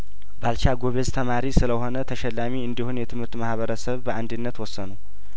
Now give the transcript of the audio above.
ባልቻ ጐበዝ ተማሪ ስለሆነ ተሸላሚ እንዲሆን የትምህርት ማህበረሰብ በአንድነት ወሰኑ